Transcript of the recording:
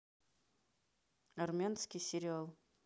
армянский сериал